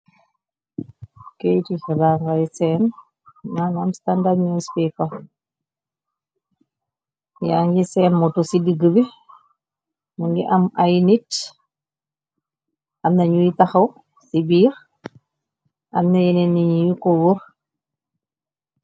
Kayiti xibaar ngay seen maanaam standard newspeper, ya ngi seem moto ci digg bi mu ngi am ay nit, am nañuy taxaw ci biir am na ñeneen niiñu ko woor.